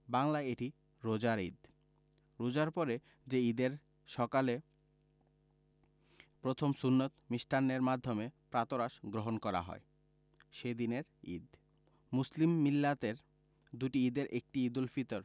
বাংলায় এটি রোজার ঈদ রোজার পরে যে ঈদের সকালে প্রথম সুন্নত মিষ্টান্নের মাধ্যমে প্রাতরাশ গ্রহণ করা হয় সে দিনের ঈদ মুসলিম মিল্লাতের দুটি ঈদের একটি ঈদুল ফিতর